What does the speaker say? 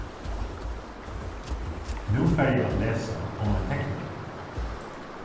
nú fari eg at lesa um ein teknara